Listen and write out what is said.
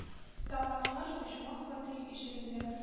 Таң аткач, почмак фати ишегенә